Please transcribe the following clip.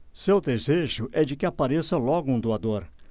seu desejo é de que apareça logo um doador